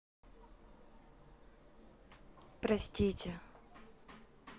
простите